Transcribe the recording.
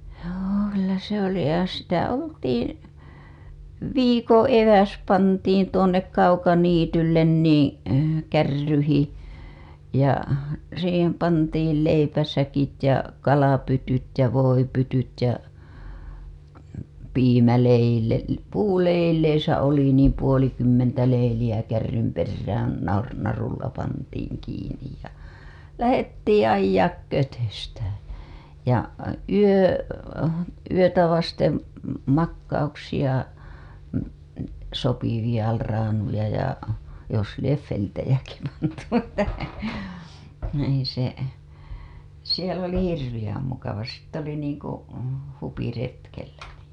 joo kyllä se oli ja sitä oltiin viikon eväs pantiin tuonne kaukaniitylle niin kärryihin ja siihen pantiin leipäsäkit ja kalapytyt ja voipytyt ja - puuleilissä oli niin puolikymmentä leiliä kärrynperään - narulla pantiin kiinni ja lähdettiin ajaa kötöstämään ja - yötä vasten makauksia sopivia raanuja ja jos lie vilttejäkin pantu että no ei se siellä oli hirveän mukava sitten oli niin kuin huviretkellä niin